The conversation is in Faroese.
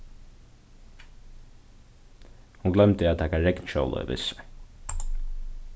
hon gloymdi at taka regnskjólið við sær